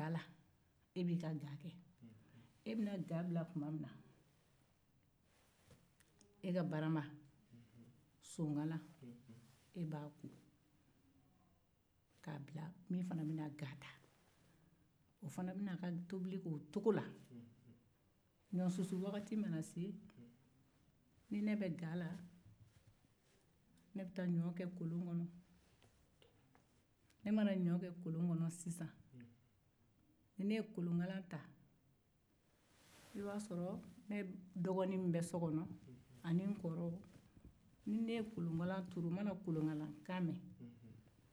e bɛna ga bila tuma min na i b'i ka barama nii sonkala ko mɔgɔ wɛrɛ bɛna ga ta o fana bɛ na tobili kɛ o cogo kelen na ɲɔsusuwaati mana se ni ne bɛ ga la ne bɛ taa ɲɔ kɛ kolon kɔnɔ ni ne ye kolonkalan turu ne dɔgɔnin ni n kɔrɔw bɛ kolonkalankan mɛn